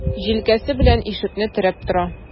Җилкәсе белән ишекне терәп тора.